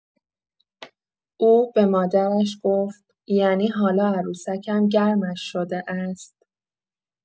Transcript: او به مادرش گفت: «یعنی حالا عروسکم گرمش شده است؟!